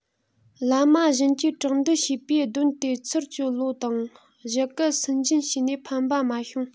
བླ མ གཞན གྱིས དྲག འདུལ བྱས པས གདོན དེས ཚུར ཅོལ ལོ དང བཞད གད སུན འབྱིན བྱས ནས ཕན པ མ བྱུང